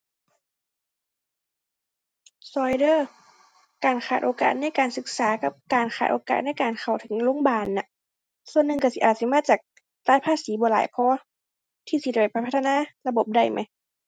ช่วยเด้อ การขาดโอกาสในการศึกษากับการขาดโอกาสในการเข้าถึงโรงบาลน่ะ ส่วนหนึ่งช่วยสิอาจสิมาจากจ่ายภาษีบ่หลายพอที่สิได้ไปพัฒนาระบบได้แหม